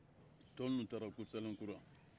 tɔ ninnu taara kurusalenkura